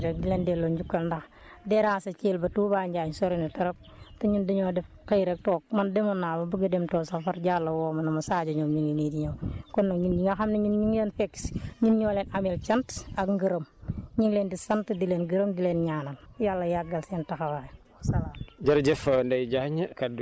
man it maa ngi leen di delloo sant gi rek di leen delloo njukkal ndax déranger Thiel ba Touba Njaañ sori na trop te ñun dañoo def xëy rek toog man demoon naa ba bëgg a dem sool sax far Diallo woo ma ne ma Sadio ñoom ñu ngi nii di ñëw kon nag ñun ñi nga xam ne ñun ñun ngeen fekk si ñun ñoo leen ameel cant ak ngërëm ñu ngi leen di sant di leen gërëm di leen ñaanal yàlla yàggal seen taxawaay wal salaam